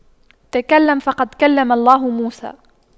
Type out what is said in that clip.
تكلم فقد كلم الله موسى